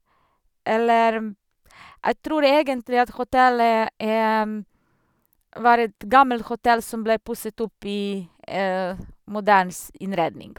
Eller jeg tror egentlig at hotellet er var et gammel hotell som ble pusset opp i moderne innredning.